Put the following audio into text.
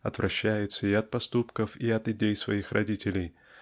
отвращается и от поступков и от идей своих родителей